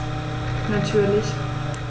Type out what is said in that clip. Natürlich.